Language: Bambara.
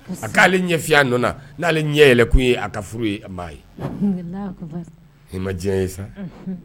A koale ɲɛya nɔ n'ale ɲɛ yɛlɛ tun ye a ka furu ye' ye ni ma diɲɛ ye sa